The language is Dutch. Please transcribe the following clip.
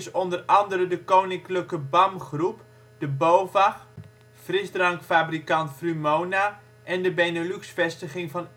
onder andere de Koninklijke BAM Groep, de BOVAG, frisdrankfabrikant Vrumona, en de Benelux-vestiging van